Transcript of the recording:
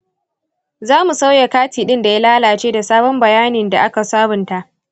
za mu sauya kati ɗin da ya lalace da sabon bayanin da aka sabunta.